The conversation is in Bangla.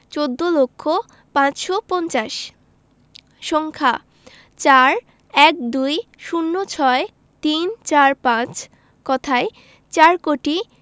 চৌদ্দ লক্ষ পাঁচশো পঞ্চাশ সংখ্যাঃ ৪ ১২ ০৬ ৩৪৫ কথায়ঃ চার কোটি